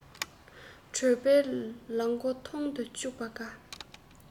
གྲོད པའི ལག མགོ ཐུང དུ བཅུག པ དགའ